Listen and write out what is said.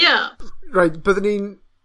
Ie. Raid, byddwn ni'n